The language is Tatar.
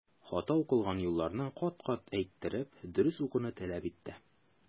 Хата укылган юлларны кат-кат әйттереп, дөрес укуны таләп итте.